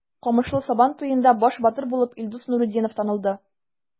Камышлы Сабан туенда баш батыр булып Илдус Нуретдинов танылды.